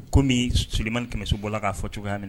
Comme Sulemani Kɛmɛso bɔ la k'a fɔ cogoya min na